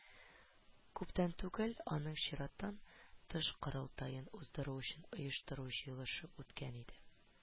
Күптән түгел аның чираттан тыш корылтаен уздыру өчен оештыру җыелышы үткән иде